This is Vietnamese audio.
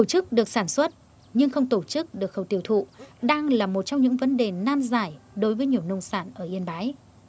chức được sản xuất nhưng không tổ chức được khâu tiêu thụ đang là một trong những vấn đề nan giải đối với nhiều nông sản ở yên bái